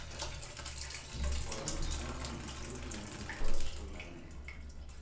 Сортларын сынау һәм үстерү белән ныклап шөгыльләнә